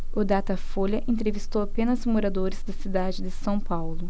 o datafolha entrevistou apenas moradores da cidade de são paulo